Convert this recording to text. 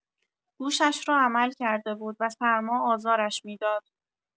گوشش را عمل کرده بود و سرما آزارش می‌داد.